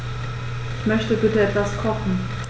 Ich möchte bitte etwas kochen.